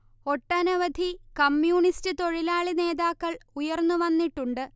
ഒട്ടനവധി കമ്യൂണിസ്റ്റ് തൊഴിലാളി നേതാക്കൾ ഉയർന്നു വന്നിട്ടുണ്ട്